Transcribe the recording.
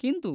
কিন্তু